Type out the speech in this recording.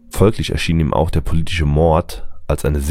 Folglich erschien ihm auch der politische Mord als eine